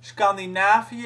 Scandinavië